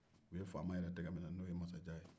u ye faama yɛrɛ tɛgɛ minɛ n'o ye masajan ye